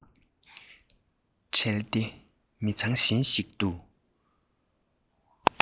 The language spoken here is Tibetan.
བྲལ ཏེ མི ཚང གཞན ཞིག ཏུ